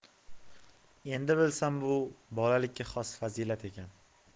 endi bilsam bu bolalikka xos bir fazilat ekan